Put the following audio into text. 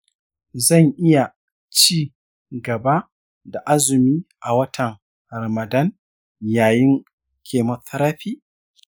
zan iya ci gaba da azumi a watan ramadan yayin chemotherapy?